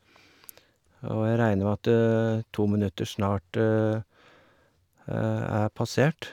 Og jeg regner med at to minutter snart er passert.